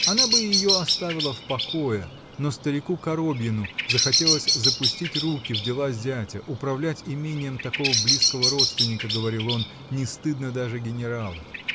она бы ее оставила в покое, но старику Коробьину захотелось запустить руки в дела зятя: управлять имением такого близкого родственника, говорил он, не стыдно даже генералу.